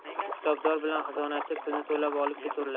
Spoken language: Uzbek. kitobdor bilan xizonachi pulini to'lab olib keturlar